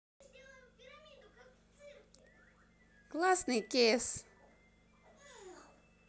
классный кеес